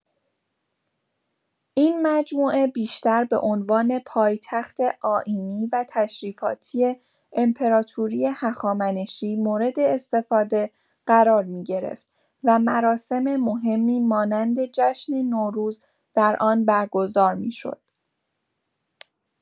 این مجموعه بیشتر به عنوان پایتخت آیینی و تشریفاتی امپراتوری هخامنشی مورداستفاده قرار می‌گرفت و مراسم مهمی مانند جشن نوروز در آن برگزار می‌شد.